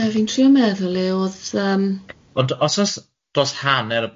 Ie, fi'n trial meddwl le o'dd yym... Ond os o's dros hanner